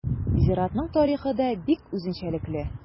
Зиратның тарихы да бик үзенчәлекле.